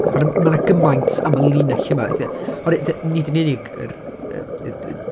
Hynna, ma' 'na gymaint am y linell yma, weithiau. Oherwydd, fatha, nid yn unig yr, yym, d- d-...